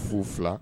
0 2